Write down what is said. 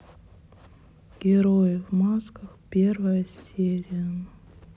герои в масках первая серия